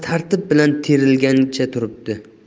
tartib bilan terilgancha turibdi